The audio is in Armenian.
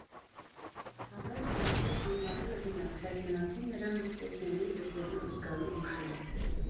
Հավերթ թվացող Ազնավուրը գնաց, բայց մնացին նրան տեսնելու, լսելու ու զգալու հուշերը։